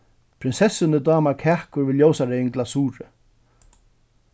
prinsessuni dámar kakur við ljósareyðum glasuri